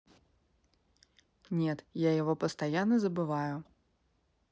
нет я его постоянно забываю